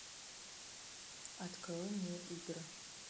открой мне игры